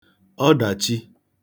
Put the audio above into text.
ọdàchi